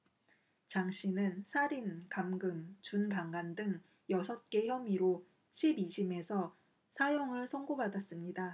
장씨는 살인 감금 준강간 등 여섯 개 혐의로 십 이 심에서 사형을 선고받았습니다